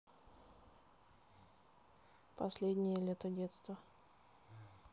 последнее лето детства